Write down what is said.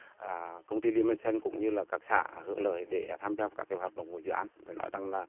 à công ty li me sen cũng như là các xã hưởng lợi để tham gia các hoạt động của dự án nói rằng là